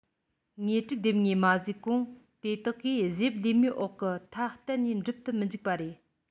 ངོས དྲུག ལྡེབས ངོས མ བཟོས གོང དེ དག གིས གཟེ དབྱིབས ལེབ མའི གོང གི མཐའ གཏན ནས འགྲུབ ཏུ མི འཇུག པ རེད